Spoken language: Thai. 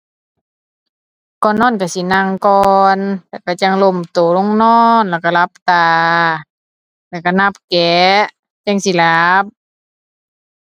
ก่อนนอนก็สินั่งก่อน แล้วก็จั่งล้มก็ลงนอนแล้วก็หลับตา แล้วก็นับแกะจั่งสิหลับ